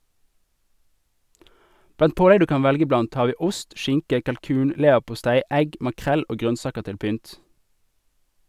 Blant pålegg du kan velge blant har vi ost, skinke, kalkun, leverpostei, egg, makrell og grønnsaker til pynt.